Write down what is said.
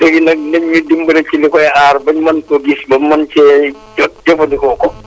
léegi nag nañ ñu dimbali si li koy aar ba ñu mën koo gis ba mën cee jot jëfandikoo ko